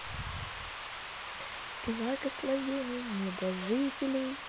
благословение небожителей